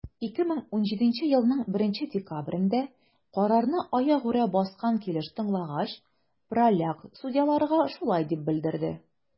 2017 елның 1 декабрендә, карарны аягүрә баскан килеш тыңлагач, праляк судьяларга шулай дип белдерде: